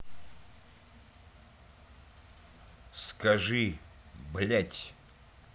скажи блять